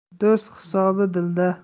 do'st hisobi dilda